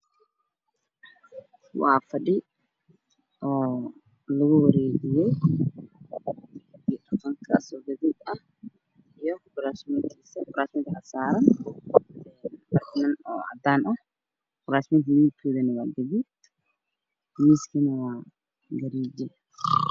Waa fadhi oo lagu wareejiyay barkimo ka dharkiisu waa gaduud bergmaani midabkooda waa cadaan waxaa ka hooseeya roob madow ah waxayna ku jiraan qol caddaan ah